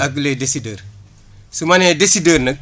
ak les décideurs su ma nee décideurs nag